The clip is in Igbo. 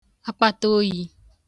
akpataoyi